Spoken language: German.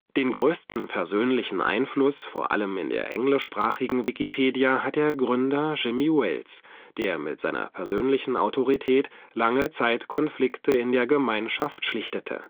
Den größten persönlichen Einfluss – vor allem in der englischsprachigen Wikipedia – hat der Gründer Jimmy Wales, der mit seiner persönlichen Autorität lange Zeit Konflikte in der Gemeinschaft schlichtete